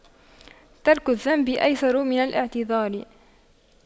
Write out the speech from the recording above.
ترك الذنب أيسر من الاعتذار